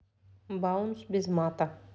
баунс без мата